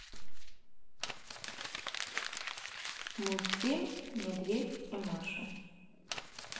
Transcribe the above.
мультфильм медведь и маша